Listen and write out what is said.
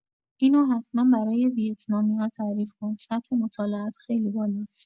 اینو حتما برای ویتنامی‌ها تعریف کن سطح مطالعه‌ات خیلی بالاست